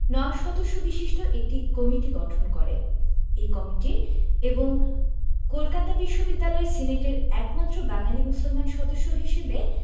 ৯ সদস্য বিশিষ্ট একটি কমিটি গঠন করে এই কমিটির এবং কলকাতা বিশ্ববিদ্যালয় সিনেটের একমাত্র বাঙালি মুসলমান সদস্য হিসেবে